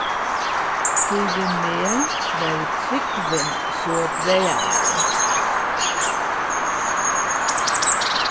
fyri meg var trúgvin so dragandi